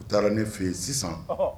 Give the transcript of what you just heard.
U taara ne fɛ yen sisan